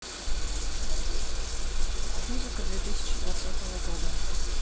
музыка две тысячи двадцатого года